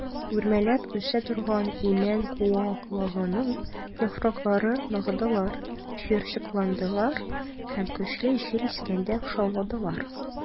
Үрмәләп үсә торган имән куаклыгының яфраклары ныгыдылар, җыерчыкландылар һәм көчле җил искәндә шауладылар.